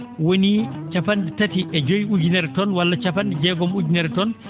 wonii cappan?e tati e joyi ujunere tonnes walla cappan?e jeegom ujunere tonnes